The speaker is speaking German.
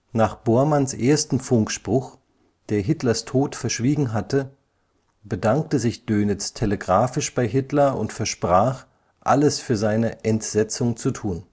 Nach Bormanns erstem Funkspruch, der Hitlers Tod verschwiegen hatte, bedankte sich Dönitz telegrafisch bei Hitler und versprach, alles für seine Entsetzung zu tun